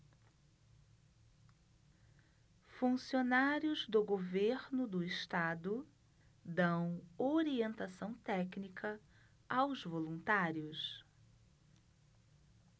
funcionários do governo do estado dão orientação técnica aos voluntários